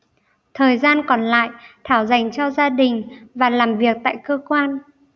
thời gian còn lại thảo dành cho gia đình và làm việc tại cơ quan